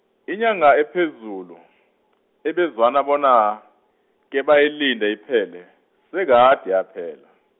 inyanga ephezulu, ebezwana bona, khebayilinde iphele, sekade yaphela.